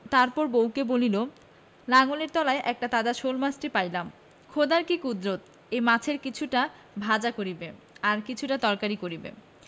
তারপর বউকে বলিল লাঙলের তলায় এই তাজা শোলমাছটি পাইলাম খোদার কি কুদরত এই মাছের কিছুটা ভাজা করিবে আর কিছুটা তরকারি করিবে